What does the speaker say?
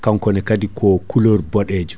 kankone kaadi ko couleur boɗejo